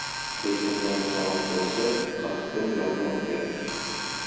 tekindan tomoq bo'lsa qirq kun yotmoq kerak